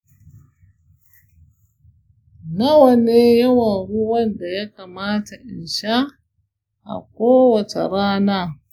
nawa ne yawan ruwan da ya kamata in sha a kowace rana?